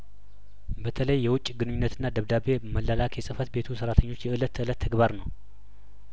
በተለይ የውጪ ግንኙነትና ደብዳቤ መላላክ የጽፈት ቤቱ ሰራተኞች የእለት ተእለት ተግባር ነው